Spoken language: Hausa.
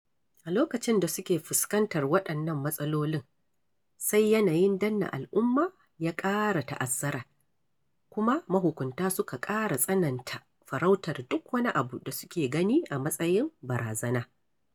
A lokacin da suke fuskantar waɗannan matsalolin, sai yanayin danne al'umma ya ƙara ta'azzara, kuma mahukunta suka ƙara tsananta farautar duk wani abu da suke gani a matsayin barazana.